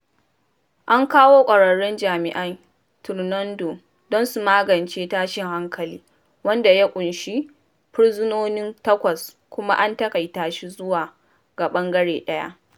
An kawo ƙwararrun jami’an "Tornado" don su magance tashin hankalin, wanda ya ƙunshi fursunoni takwas kuma an taƙaita shi zuwa ga ɓangare ɗaya.